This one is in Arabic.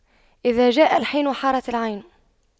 إذا جاء الحين حارت العين